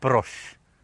brwsh